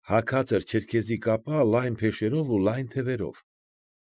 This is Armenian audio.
Հագած էր չերքեզի կապա լայն փեշերով ու լայն թևերով։